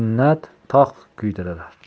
minnat toq kuydirar